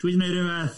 Dwi'n wneud rhywbeth.